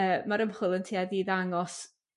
yy ma'rr ymchwil yn tueddu i ddangos